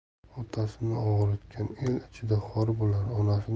otasini og'ritgan el ichida xor bo'lar